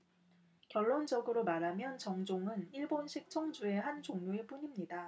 결론적으로 말하면 정종은 일본식 청주의 한 종류일 뿐입니다